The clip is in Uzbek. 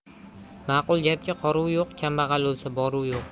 ma'qul gapga qoruv yo'q kambag'al o'lsa boruv yo'q